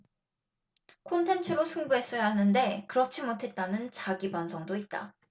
콘텐츠로 승부했어야 하는데 그렇지 못했다는 자기 반성도 있다